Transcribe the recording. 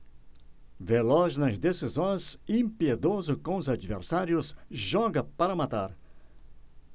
veloz nas decisões impiedoso com os adversários joga para matar